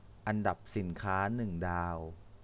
อันดับสินค้าหนึ่งดาว